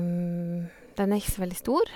Den er ikke så veldig stor.